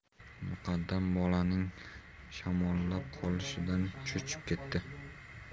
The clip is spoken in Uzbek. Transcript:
muqaddam bolaning shamollab qolishidan cho'chib ketdi